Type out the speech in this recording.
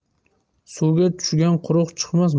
suvga tushgan quruq chiqmas